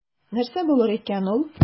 Нәрсә булыр икән ул?